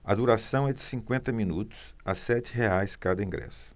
a duração é de cinquenta minutos a sete reais cada ingresso